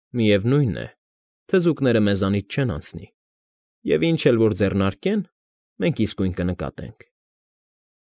Միևնույն է, թզուկները մեզանից չեն անցնի և ինչ էլ որ ձեռնարկեն, մենք իսկույն կնկատենք։